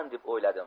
deb o'yladim